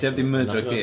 Ti heb 'di myrdro ci.